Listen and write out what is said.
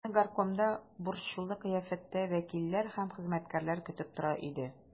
Аны горкомда борчулы кыяфәттә вәкилләр һәм хезмәткәрләр көтеп тора иде.